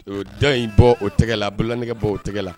O ye Da in bɔ o tɛgɛ la, bololanɛgɛ bɔ o tɛgɛ la.